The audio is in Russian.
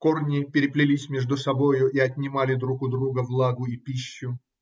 Корни переплелись между собою и отнимали друг у друга влагу и пищу.